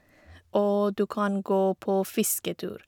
Og du kan gå på fisketur.